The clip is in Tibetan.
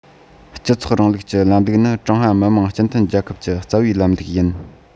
སྤྱི ཚོགས རིང ལུགས ཀྱི ལམ ལུགས ནི ཀྲུང ཧྭ མི དམངས སྤྱི མཐུན རྒྱལ ཁབ ཀྱི རྩ བའི ལམ ལུགས ཡིན